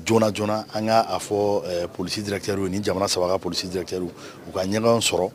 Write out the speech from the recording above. Joona joonana an y'a fɔ psi d kɛra ni jamana saba psidi u ka ɲɔgɔn sɔrɔ